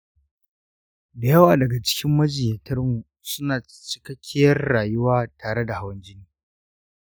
da yawa daga cikin majinyatar mu suna cikakkiyar rayuwa tare da hawan jini.